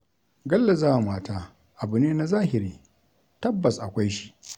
Gallazawa mata abu ne na zahiri, tabbas akwai shi.